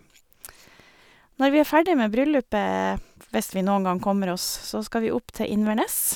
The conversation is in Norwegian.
Når vi er ferdig med bryllupet, hvis vi noen gang kommer oss, så skal vi opp til Inverness.